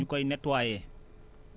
ñu koy nettoyé